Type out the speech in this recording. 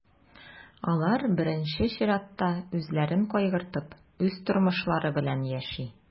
Алар, беренче чиратта, үзләрен кайгыртып, үз тормышлары белән яши.